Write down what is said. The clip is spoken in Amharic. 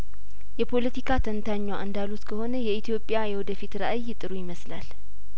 የፖለቲካ ተንታኟ እንዳሉት ከሆነ የኢትዮጲያ የወደፊት ራእይ ጥሩ ይመስላል